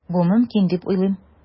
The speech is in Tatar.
Бу мөмкин дип уйлыйм.